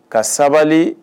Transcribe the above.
Ka sabali